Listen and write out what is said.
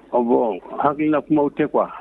Ɔwɔ hakiina kuma tɛ kuwa